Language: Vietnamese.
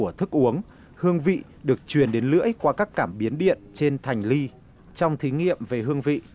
của thức uống hương vị được chuyền đến lưỡi qua các cảm biến điện trên thành ly trong thí nghiệm về hương vị